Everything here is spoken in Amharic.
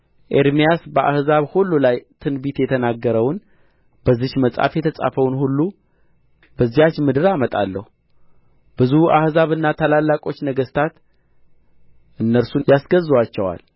ኤርምያስ በአሕዛብ ሁሉ ላይ ትንቢት የተናገረውን በዚህች መጽሐፍ የተጻፈውን ሁሉ በዚያች ምድር አመጣለሁ ብዙ አሕዛብና ታላላቆች ነገሥታት እነርሱን ያስገዙአቸዋል